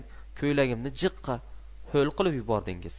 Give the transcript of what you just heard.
ko'ylagimni jiqqa hul qilib yubordingiz